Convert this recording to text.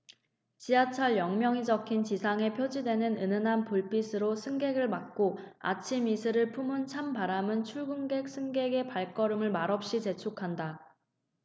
지하철 역명이 적힌 지상의 표지대는 은은한 불빛으로 승객을 맞고 아침 이슬을 품은 찬 바람은 출근길 승객의 발걸음을 말없이 재촉한다